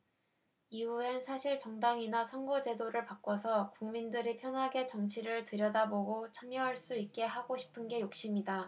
이후엔 사실 정당이나 선거제도를 바꿔서 국민들이 편하게 정치를 들여다보고 참여할 수 있게 하고 싶은 게 욕심이다